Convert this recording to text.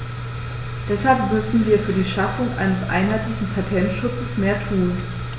Deshalb müssen wir für die Schaffung eines einheitlichen Patentschutzes mehr tun.